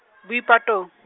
Boipatong .